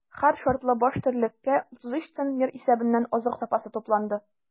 Һәр шартлы баш терлеккә 33 центнер исәбеннән азык запасы тупланды.